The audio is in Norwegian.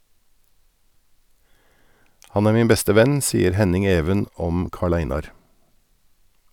- Han er min beste venn, sier Henning-Even om Karl-Einar.